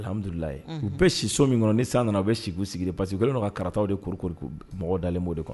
Hamidulila u'u bɛ si so min kɔnɔ ni san nana a bɛ sigi sigi pa que ko ne nana ka karataw de kuru mɔgɔ dalen b'o de kɔnɔ